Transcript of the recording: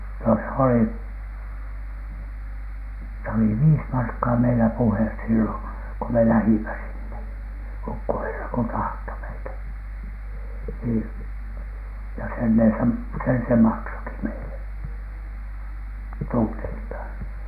no se oli se oli viisi markkaa meillä puhe silloin kun me lähdimme sinne ukkoherra kun tahtoi meitä - ja sen ne - sen se maksoikin meille tunneiltaan